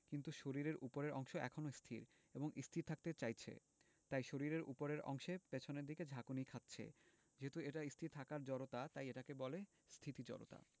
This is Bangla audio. কিন্তু শরীরের ওপরের অংশ এখনো স্থির এবং স্থির থাকতে চাইছে তাই শরীরের ওপরের অংশ পেছনের দিকে ঝাঁকুনি খাচ্ছে যেহেতু এটা স্থির থাকার জড়তা তাই এটাকে বলে স্থিতি জড়তা